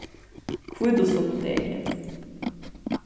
hvítusunnudegi